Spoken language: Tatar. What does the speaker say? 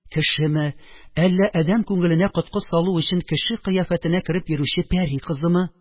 Кешеме, әллә адәм күңеленә коткы салу өчен кеше кыяфәтенә кереп йөрүче пәри кызымы